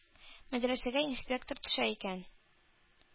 Мәдрәсәгә инспектор төшә икән,